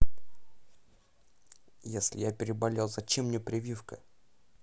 если я переболел зачем мне прививка